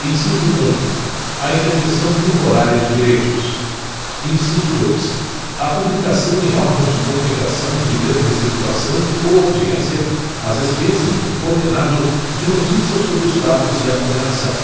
inciso um a interdição temporária de direitos inciso dois a publicação em órgãos de comunicação de grande circulação ou audiência às expensas do condenado de notícia sobre os fatos e a condenação